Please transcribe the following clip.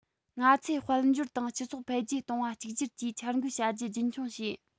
ང ཚོས དཔལ འབྱོར དང སྤྱི ཚོགས འཕེལ རྒྱས གཏོང བ གཅིག གྱུར གྱིས འཆར འགོད བྱ རྒྱུ རྒྱུན འཁྱོངས བྱས